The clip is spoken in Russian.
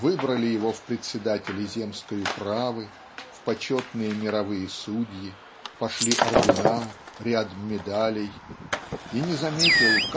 Выбрали его в председатели земской управы в почетные мировые судьи пошли ордена ряд медалей и не заметил